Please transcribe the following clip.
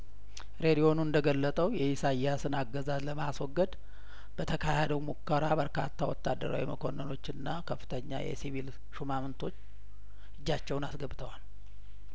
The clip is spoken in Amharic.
ሬድዮኑ እንደገለጠው የኢሳያስን አገዛዝ ለማስወገድ በተካሀደው ሙከራ በርካታ ወታደራዊ መኮንኖችና ከፍተኛ የሲቪል ሹማምንቶች እጃቸውን አስገብተዋል